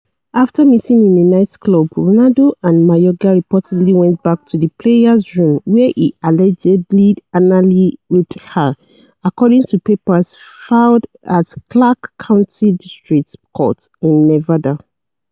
After meeting in a nightclub, Ronaldo and Mayorga reportedly went back to the player's room, where he allegedly anally raped her, according to papers filed at Clark County District Court in Nevada.